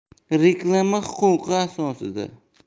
reklama huquqi asosida